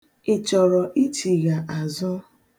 Ị chọrọ ichigha azụ?